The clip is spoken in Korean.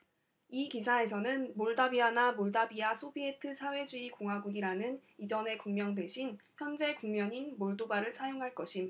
이 기사에서는 몰다비아나 몰다비아 소비에트 사회주의 공화국이라는 이전의 국명 대신 현재 국명인 몰도바를 사용할 것임